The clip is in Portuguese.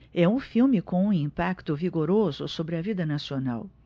é um filme com um impacto vigoroso sobre a vida nacional